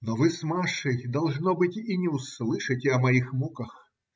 Но вы с Машей, должно быть, и не услышите о моих муках.